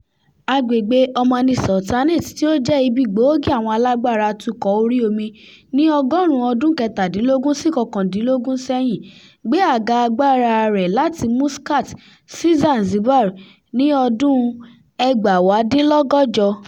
Agbègbèe Omani Sultanate, tí ó jẹ́ " ibi gbòógì àwọn alágbára atukọ̀ orí omi ní ọgọ́rùn-ún Ọdún-un kẹtàdínlógún sí kọkàndínlógún sẹ́yìn", gbé àga agbára rẹ̀ láti Muscat sí Zanzibar ní ọdún-un 1840.